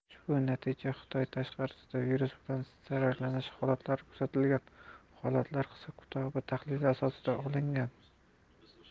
ushbu natija xitoy tashqarisida virus bilan zararlanish holatlari kuzatilgan holatlar hisob kitobi tahlili asosida olingan